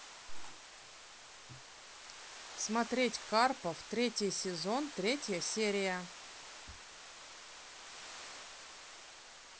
смотреть карпов третий сезон третья серия